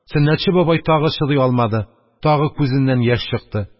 Сөннәтче бабай тагы чыдый алмады: тагы күзеннән яшь акты.